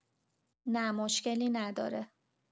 نه، مشکلی نداره.